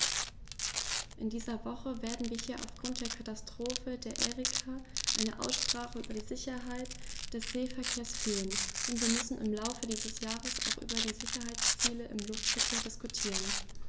In dieser Woche werden wir hier aufgrund der Katastrophe der Erika eine Aussprache über die Sicherheit des Seeverkehrs führen, und wir müssen im Laufe dieses Jahres auch über die Sicherheitsziele im Luftverkehr diskutieren.